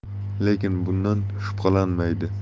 lekin bundan shubhalanmaydi